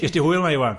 Gest ti hwyl na' Iwan?